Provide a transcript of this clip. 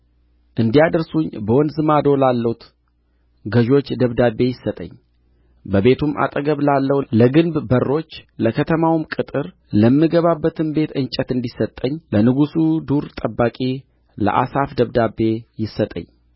እንዲያደርሱኝ በወንዝ ማዶ ላሉት ገዦች ደብዳቤ ይሰጠኝ በቤቱም አጠገብ ላለው ለግንብ በሮች ለከተማውም ቅጥር ለምገባበትም ቤት እንጨት እንዲሰጠኝ ለንጉሡ ዱር ጠባቂ ለአሳፍ ደብዳቤ ይሰጠኝ